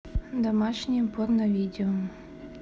домашнее порно видео